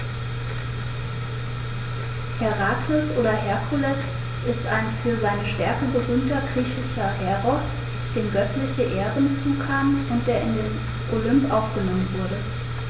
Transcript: Herakles oder Herkules ist ein für seine Stärke berühmter griechischer Heros, dem göttliche Ehren zukamen und der in den Olymp aufgenommen wurde.